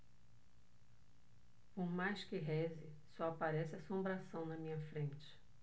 por mais que reze só aparece assombração na minha frente